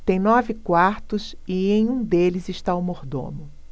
tem nove quartos e em um deles está o mordomo